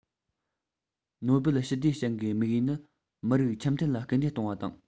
ནོ པེལ ཞི བདེའི བྱ དགའི དམིགས ཡུལ ནི མི རིགས འཆམ མཐུན ལ སྐུལ འདེད གཏོང བ དང